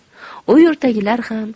u yurtdagilar ham